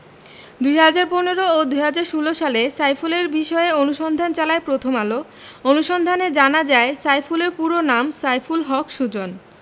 ২০১৫ ও ২০১৬ সালে সাইফুলের বিষয়ে অনুসন্ধান চালায় প্রথম আলো অনুসন্ধানে জানা যায় সাইফুলের পুরো নাম সাইফুল হক সুজন